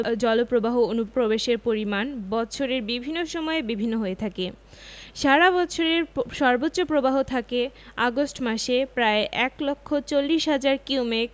জলপ্রবাহ অনুপ্রবেশের পরিমাণ বৎসরের বিভিন্ন সময়ে বিভিন্ন হয়ে থাকে সারা বৎসরের সর্বোচ্চ প্রবাহ থাকে আগস্ট মাসে প্রায় এক লক্ষ চল্লিশ হাজার কিউমেক